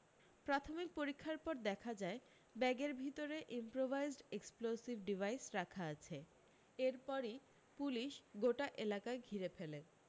প্রাথমিক পরীক্ষার পর দেখা যায় ব্যাগের ভিতরে ইম্প্রোভাইজড এক্সপ্লোসিভ ডিভাইস রাখা আছে এরপরি পুলিশ গোটা এলাকা ঘিরে ফেলে